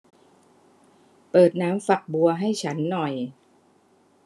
เปิดน้ำฝักบัวให้ฉันหน่อย